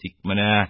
Тик менә